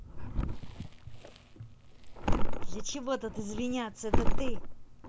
для чего тут извиняться это ты